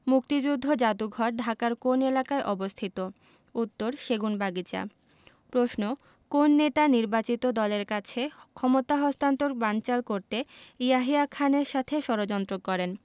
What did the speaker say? মুক্তিযুদ্ধ যাদুঘর ঢাকার কোন এলাকায় অবস্থিত উত্তরঃ সেগুনবাগিচা প্রশ্ন কোন নেতা নির্বাচিত দলের কাছে ক্ষমতা হস্তান্তর বানচাল করতে ইয়াহিয়া খানের সাথে ষড়যন্ত্র করেন